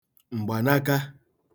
m̀gbànaka